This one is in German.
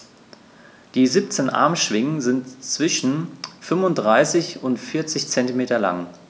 Die 17 Armschwingen sind zwischen 35 und 40 cm lang.